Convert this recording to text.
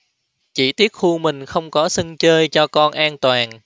chỉ tiếc khu mình không có sân chơi cho con an toàn